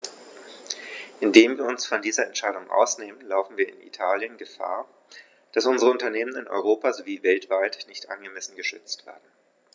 Indem wir uns von dieser Entscheidung ausnehmen, laufen wir in Italien Gefahr, dass unsere Unternehmen in Europa sowie weltweit nicht angemessen geschützt werden.